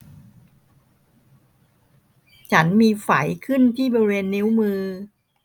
ฉันมีไฝขึ้นที่บริเวณนิ้วมือ